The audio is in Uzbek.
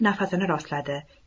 nafasini rostladi